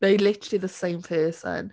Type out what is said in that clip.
They're literally the same person.